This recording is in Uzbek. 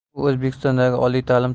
u o'zbekistonda oliy ta'lim